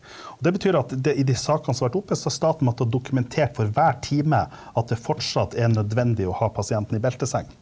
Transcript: det betyr at det i de sakene som vært oppe så har staten måttet dokumentert for hver time at det fortsatt er nødvendig å ha pasienten i belteseng.